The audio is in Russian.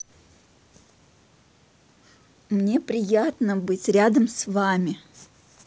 мне приятно быть рядом с вами